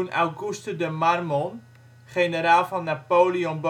Auguste de Marmont, generaal van Napoleon